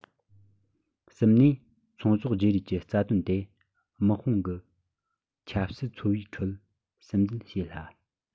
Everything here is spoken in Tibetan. གསུམ ནས ཚོང ཟོག བརྗེ རེས ཀྱི རྩ དོན དེ དམག དཔུང གི ཆབ སྲིད འཚོ བའི ཁྲོད སིམ འཛུལ བྱེད སླ